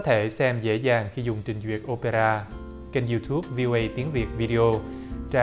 thể xem dễ dàng khi dùng trình duyệt ô pê ra kênh riu túp vi ô ây tiếng việt vi đê ô trang